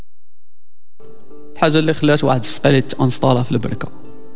حجر الاسود سالت في البركه